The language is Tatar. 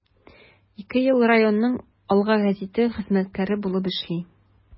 Ике ел районның “Алга” гәзите хезмәткәре булып эшли.